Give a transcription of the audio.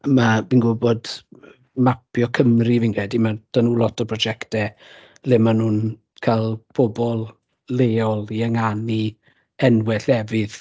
ma'... fi'n gwybod bod Mapio Cymru fi'n credu ma' 'da nhw lot o brosiectau le mae nhw'n cael pobl leol i ynganu enwau llefydd.